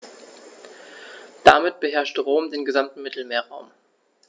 Damit beherrschte Rom den gesamten Mittelmeerraum.